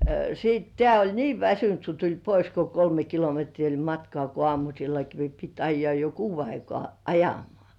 sitten tämä oli niin väsynyt kun tuli pois kun kolme kilometriä oli matkaa kun aamusillakin piti ajaa jo kuuden aikaan ajamaan